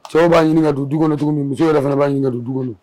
Cɛw b'a ɲini ka don du kɔnɔ cogo min musow yɛrɛ fana b'a ɲini ka du kɔnɔ